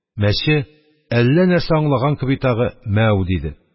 Мәче, әллә нәрсә аңлаган кеби, тагы «мәү-ү!» диде.